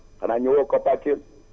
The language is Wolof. xanaa ñëwoo COPACEL